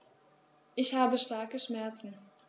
Ich habe starke Schmerzen.